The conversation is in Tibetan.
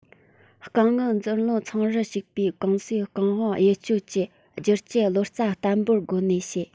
རྐང དངུལ འཛིན ལོར ཚོང རར ཞུགས པའི ཀུང སིའི རྐང དབང དབྱེ གཅོད ཀྱི བསྒྱུར བཅོས བློ རྩ བརྟན པོའི སྒོ ནས བྱས